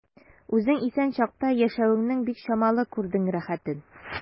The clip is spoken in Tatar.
Үзең исән чакта яшәвеңнең бик чамалы күрдең рәхәтен.